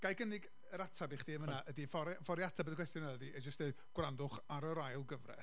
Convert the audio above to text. Ga i gynnig yr ateb i chdi am hynna... . ...ydy ffor' ffor' i ateb y cwestiwn yna ydi jyst deud "gwrandwch ar yr ail gyfres".